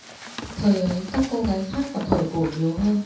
thời ấy các cô gái pháp còn hở cổ nhiều hơn